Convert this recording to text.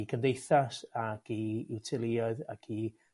i gymdeithas ag i i'w teuluoedd ag i